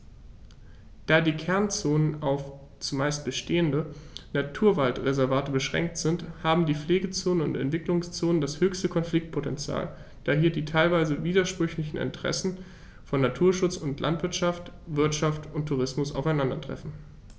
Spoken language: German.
Da die Kernzonen auf – zumeist bestehende – Naturwaldreservate beschränkt sind, haben die Pflegezonen und Entwicklungszonen das höchste Konfliktpotential, da hier die teilweise widersprüchlichen Interessen von Naturschutz und Landwirtschaft, Wirtschaft und Tourismus aufeinandertreffen.